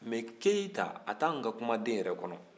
nka keyita a t'anw ka kumaden yɛrɛ kɔnɔ